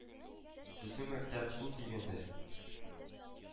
Безнең мәктәп күп дигәндә